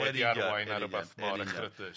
wedi arwain ar rwbath mor echrydus.